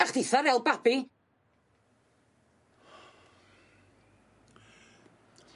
A chditha rêl babi?